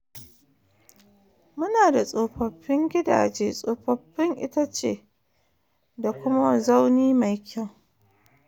“Mu na da tsofaffin gidaje, tsoffafin itace da kuma mazauni mai kyau.